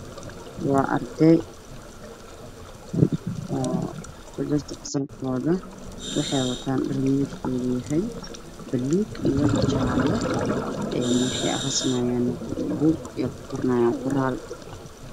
Waa arday ku jirto fasalkooda waxay wataan dhar midabkoodu yahay baluug iyo jaalo waxayna qorayaan warqad